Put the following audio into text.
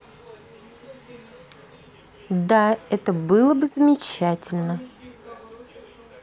да это было бы замечательно